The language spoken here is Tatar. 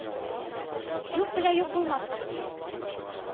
”юк белән юк булмаска кирәк.